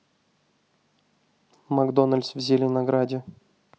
макдоналдс в зеленограде